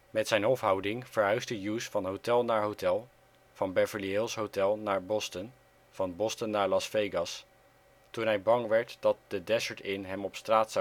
Met zijn hofhouding verhuisde Hughes van hotel naar hotel, van Beverly Hills Hotel naar Boston, van Boston naar Las Vegas, Toen hij bang werd dat de Desert Inn hem op straat